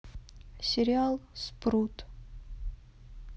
сериал спрут